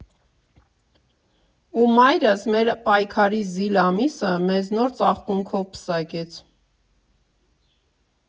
Ու մայիսը՝ մեր պայքարի զիլ ամիսը, մեզ նոր ծաղկունքով պսակեց։